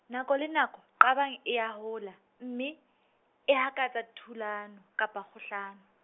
nako le nako, qabang e a hola, mme, e hakatsa thulano, kapa kgahlano.